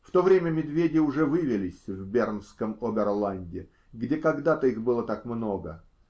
В то время медведи уже вывелись в бернском Оберланде, где когда-то их было так много